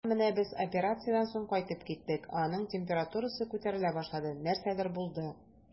Һәм менә без операциядән соң кайтып киттек, ә аның температурасы күтәрелә башлады, нәрсәдер булды.